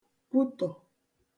kwutọ̀